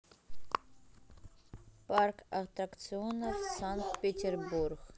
парк аттракционов санкт петербург